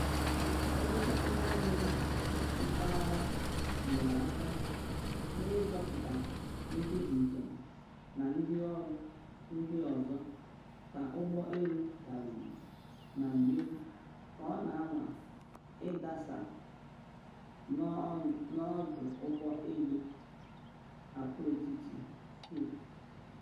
Obere ụgbọ mmiri mpaghara nyere aka na ịzọpụta ndị njem na ndị ọrụ ndị ọzọ ka ụgbọ elu daruru na mmiri ka ọ na anwa ịdasa n’ọdụ ụgbọ elu Agwaetiti Chuuk.